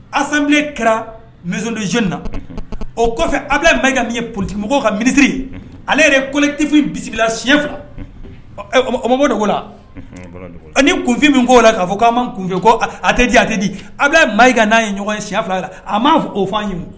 A sanbilen kɛradoyni na o kɔfɛ a bɛ makɛ min ye politi mɔgɔw ka minitiriri ale yɛrɛ ye kolɛtifin bisimilala siɲɛ fila o mabɔ de ko la ani kunfin min' la' fɔ ko'an ma kunfɛ ko a tɛ di a tɛ di a maa ka n'a ye ɲɔgɔn siɲɛ fila la a' fɔ o fɔ ɲɛ